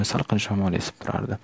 salqin shamol esib turardi